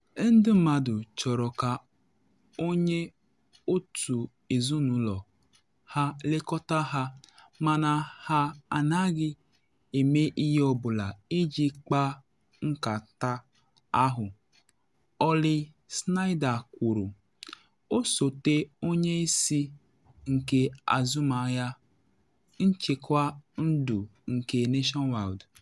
“Ndị mmadụ chọrọ ka onye otu ezinụlọ ha lekọta ha, mana ha anaghị eme ihe ọ bụla iji kpaa nkata ahụ,” Holly Snyder kwuru, osote onye isi nke azụmahịa nchekwa ndụ nke Nationwide.